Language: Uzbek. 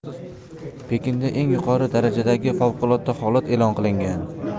pekinda eng yuqori darajadagi favqulodda holat e'lon qilingan